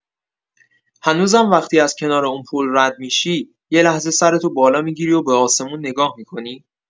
هنوزم وقتی از کنار اون پل رد می‌شی، یه لحظه سرتو بالا می‌گیری و به آسمون نگاه می‌کنی؟